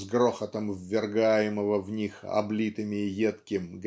с грохотом ввергаемого в них облитыми едким